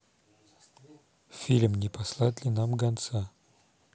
фильм не послать ли нам гонца